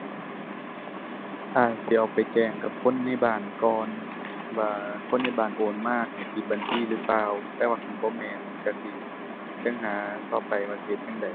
อาจสิเอาไปแจ้งกับคนในบ้านก่อน ว่าคนในบ้านโอนมาให้ผิดบัญชีหรือเปล่า แต่ว่าคันบ่แม่นก็สิจั่งหาต่อไปว่าสิเฮ็ดจั่งใด